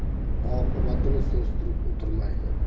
oqibatini surishtirib o'tirmaydi